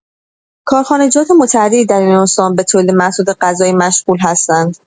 کارخانجات متعددی در این استان به تولید محصولات غذایی مشغول هستند.